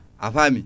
a faami